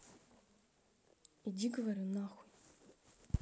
иди говорю нахуй